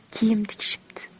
kiyim tikishibdi